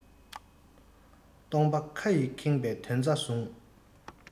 སྟོང པ ཁ ཡིས ཁེངས པའི དོན རྩ བཟུང